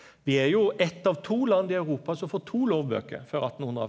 vi er jo eitt av to land i Europa som får to lovbøker før attenhundre.